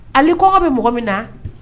Ale kɔngɔ bɛ mɔgɔ min na